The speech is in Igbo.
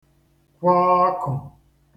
kwọ ọkụ